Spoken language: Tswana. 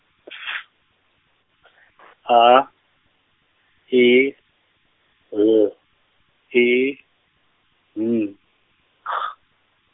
S A E L E N G.